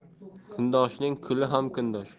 kundoshning kuli ham kundosh